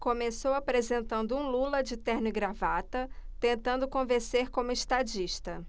começou apresentando um lula de terno e gravata tentando convencer como estadista